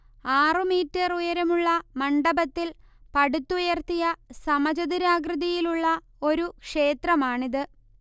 ആറുമീറ്റർ ഉയരമുള്ള മണ്ഡപത്തിൽ പടുത്തുയർത്തിയ സമചതുരാകൃതിയിലുള്ള ഒരു ക്ഷേത്രമാണിത്